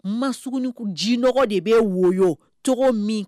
Masuni jiɔgɔ de bɛ woyɔ tɔgɔ min